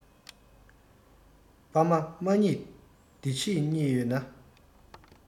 ཕ མ མ མཉེས འདི ཕྱི གཉིས ཡོད རེད